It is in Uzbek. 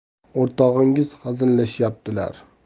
o'rtog'ingiz hazillashyaptilar